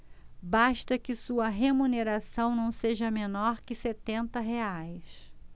basta que sua remuneração não seja menor que setenta reais